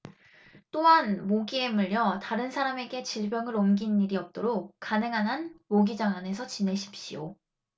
또한 모기에 물려 다른 사람에게 질병을 옮기는 일이 없도록 가능한 한 모기장 안에서 지내십시오